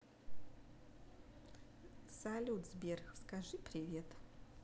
салют сбер скажи привет